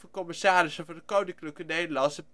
Commissarissen Koninklijke Nederlandse